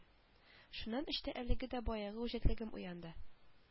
Шуннан эчтә әлеге дә баягы үҗәтлегем уянды